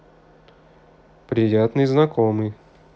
приятный знакомый